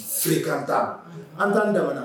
Se ka ta an t'an daminɛ